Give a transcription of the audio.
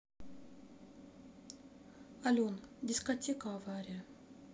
алена дискотека авария